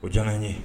O diyara n ye